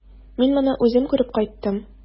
Мин моны үзем күреп кайттым.